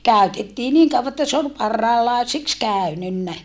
käytettiin niin kauan että se oli parhaanlaiseksi käynyt